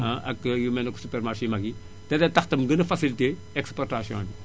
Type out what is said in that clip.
ah ak yu mel ni que supermarché yu mag yi te day tax tamit gën a facilité exportation bi